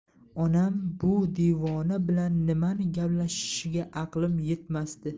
onam bu devona bilan nimani gaplashishiga aqlim yetmasdi